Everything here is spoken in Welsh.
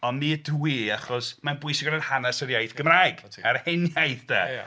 Ond mi ydw i achos mae'n bwysig o ran hanes yr iaith Gymraeg a'r heniaith 'de.